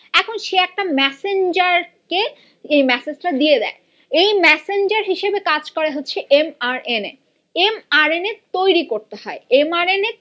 এখন সে একটা মেসেঞ্জার কে এই মেসেজ তা দিয়ে দেয় এই মেসেঞ্জার হিসেবে কাজ করে হচ্ছে M R N A M R N A তৈরি করতে হয় এম আর এন এ